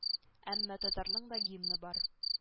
Әмма татарның да гимны бар